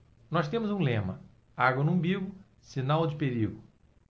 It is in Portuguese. nós temos um lema água no umbigo sinal de perigo